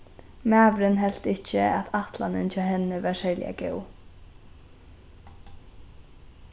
maðurin helt ikki at ætlanin hjá henni var serliga góð